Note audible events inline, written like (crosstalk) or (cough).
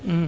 (hesitation) (hesitation)